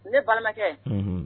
Ne balimakɛ